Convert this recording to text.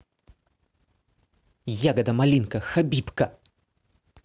ягода малинка хабиб ка